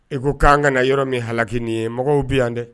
I ko k'an ka na yɔrɔ min haki nin ye mɔgɔw bɛ yan dɛ